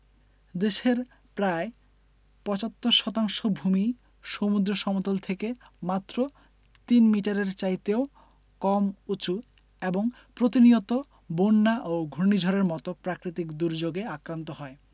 দেশের প্রায় ৭৫ শতাংশ ভূমিই সমুদ্র সমতল থেকে মাত্র তিন মিটারের চাইতেও কম উঁচু এবং প্রতিনিয়ত বন্যা ও ঘূর্ণিঝড়ের মতো প্রাকৃতিক দুর্যোগে আক্রান্ত হয়